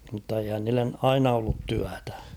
mutta eihän niille aina ollut työtä